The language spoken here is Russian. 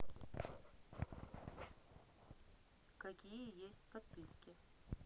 какие есть подписки